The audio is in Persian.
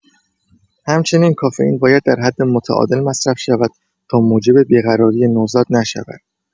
همچنین کافئین باید در حد متعادل مصرف شود تا موجب بی‌قراری نوزاد نشود.